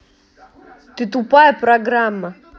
ты тупая программа